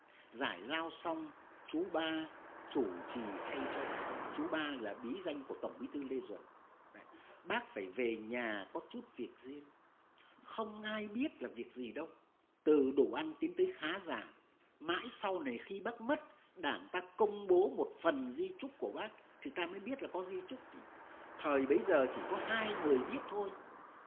giải lao xong chú ba chủ trì thay cho bác chú ba là bí danh của tổng bí thư lê duẩn bác phải về nhà có chút việc riêng không ai biết là việc gì đâu từ đồ ăn tiến tới khá giả mãi sau này khi bác mất đảng ta công bố một phần di chúc của bác thì ta mới biết là có di chúc chứ thời bấy giờ chỉ có hai người biết thôi